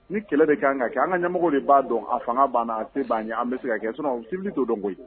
Ni kɛlɛ de ka kan ka kɛ an ka ɲɛmɔgɔ de b'a dɔn a fanga banna a tɛ' ɲɛ an bɛ se ka kɛ sun sibili t'o dɔn ko ye